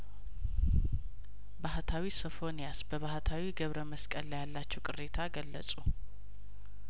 ባህታዊ ሶፎንያስ በባህታዊ ገብረመስቀል ላይ ያላቸው ቅሬታ ገለጹ